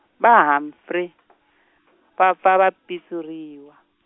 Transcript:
va Humphrey va pfa va pitsuriwa.